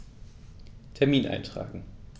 Termin eintragen